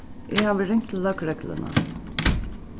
eg havi ringt til løgregluna